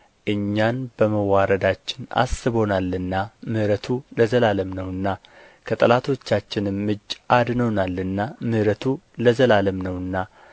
እኛን በመዋረዳችን አስቦናልና ምሕረቱ ለዘላለም ነውና ከጠላቶቻችንም እጅ አድኖናልና ምሕረቱ ለዘላለም ነውና